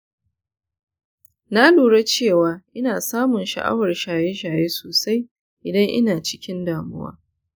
na lura cewa ina samun sha'awar shaye shaye sosai idan ina cikin damuwa